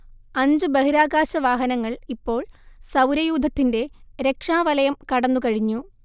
അഞ്ചു ബഹിരാകാശവാഹനങ്ങൾ ഇപ്പോൾ സൗരയൂഥത്തിന്റെ രക്ഷാവലയം കടന്നുകഴിഞ്ഞു